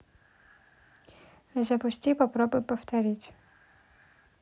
запусти попробуй повторить